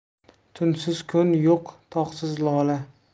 tunsiz kun yo'q tog'siz lola